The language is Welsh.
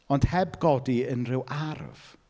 Ond heb godi unrhyw arf.